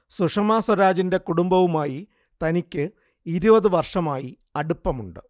സുഷമാ സ്വരാജിന്റെ കുടുംബവുമായി തനിക്ക് ഇരുപത് വർഷമായി അടുപ്പമുണ്ട്